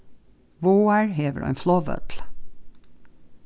vágar hevur ein flogvøll